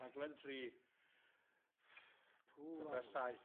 Rhaglen tri, cyfres saith.